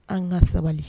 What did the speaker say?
An ka sabali